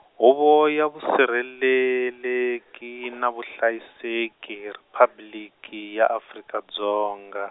Huvo ya Vusirheleleki na Vuhlayiseki Riphabliki, ya Afrika Dzonga.